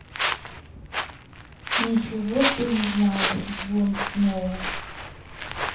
ничего ты не знаешь джон сноу